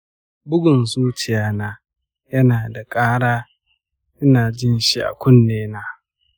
bugun zuciyana yana da ƙara ina jin shi a kunni na.